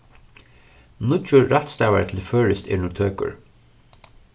nýggjur rættstavari til føroyskt er nú tøkur